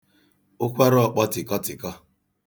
ụkwara ọkpọtịkọtịkọ